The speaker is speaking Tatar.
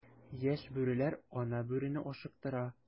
Яшь бүреләр ана бүрене ашыктыра.